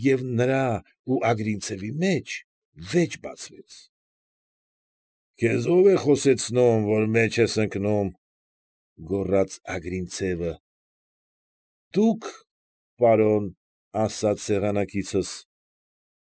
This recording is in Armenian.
Եվ նրա և Ագրինցևի մեջ վեճ բացվեց։ ֊ Քեզ ով է խոսեցնում, որ մեջ ես ընկնում,֊ գոռաց Ագրինցևը։ ֊ Դուք, պարոն,֊ ասաց սեղանակիցս,֊